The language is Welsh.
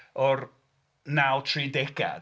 O'r naw tridegau